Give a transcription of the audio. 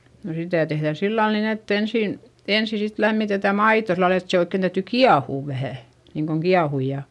no sitä tehdään sillä lailla niin että ensin ensin sitten lämmitetään maito sillä lailla että se oikein täytyy kiehua vähän niin kuin kiehua ja